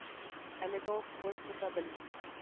Әлегә ул кылыч тота белми